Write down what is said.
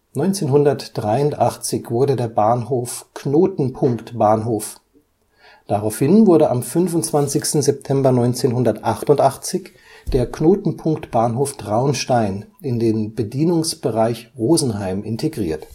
1983 wurde der Bahnhof Knotenpunktbahnhof, daraufhin wurde am 25. September 1988 der Knotenpunktbahnhof Traunstein in den Bedienungsbereich Rosenheim integriert